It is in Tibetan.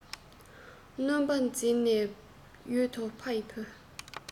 ནོམ པ འཛིར ནས ཡོད དོ ཕ ཡི བུ